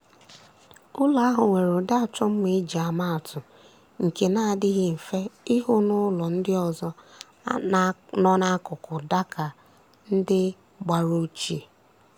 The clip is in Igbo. Ụlọ ahụ nwere ụdị achọmma e ji ama atụ nke na-adịghị mfe ịhụ n'ụlọ ndị ọzọ nọ n'akụkụ Dhaka ndị gbara ochie.